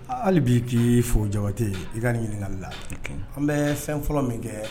Hali bi k'i fo Jabate i ka nin ɲininkakali la an bɛ fɛn fɔlɔ min kɛ